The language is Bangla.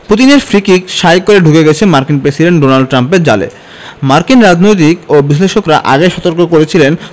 পুতিনের ফ্রি কিক শাঁই করে ঢুকে গেছে মার্কিন প্রেসিডেন্ট ডোনাল্ড ট্রাম্পের জালে মার্কিন রাজনৈতিক ও বিশ্লেষকেরা আগেই সতর্ক করেছিলেন